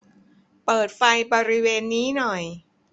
เปิดไฟบริเวณนี้หน่อย